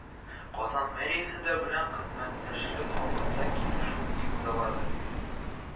Казан мэриясе дә белән хезмәттәшлек хакында килешү имзалады